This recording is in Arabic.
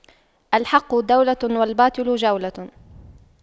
الحق دولة والباطل جولة